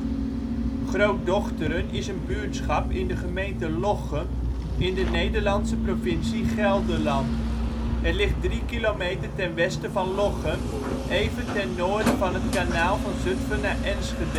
Groot Dochteren is een buurtschap in de gemeente Lochem in de Nederlandse provincie Gelderland. Het ligt drie kilometer ten westen van Lochem; even ten noorden van het kanaal van Zutphen naar Enschede